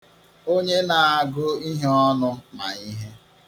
Onye na-agụ ihe ọnụ ma ihe.